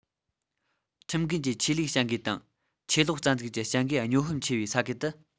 ཁྲིམས འགལ གྱི ཆོས ལུགས བྱ འགུལ དང ཆོས ལོག རྩ འཛུགས ཀྱི བྱ འགུལ སྨྱོ ཧམ ཆེ བའི ས ཁུལ དུ